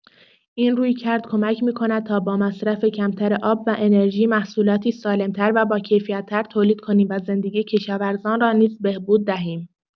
این رویکرد کمک می‌کند تا با مصرف کمتر آب و انرژی، محصولاتی سالم‌تر و باکیفیت‌تر تولید کنیم و زندگی کشاورزان را نیز بهبود دهیم.